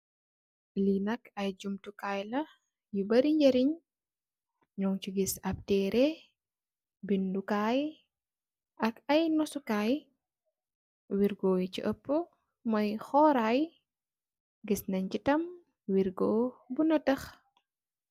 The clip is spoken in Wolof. Li nak ay jumtukai la yu barri jeriñ. Ñun ci gis ap terreh bindukai ak ay nasukai. Wirgo yi ci apu moy koray, gis nen ci tam wirgo bu natax .